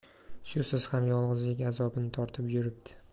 shusiz ham yolg'izlik azobini tortib yuribdi